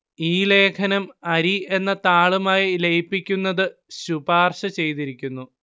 ഈ ലേഖനം അരി എന്ന താളുമായി ലയിപ്പിക്കുന്നത് ശുപാർശ ചെയ്തിരിക്കുന്നു